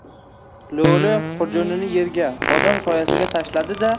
lo'li xurjunini yerga bodom soyasiga tashladi da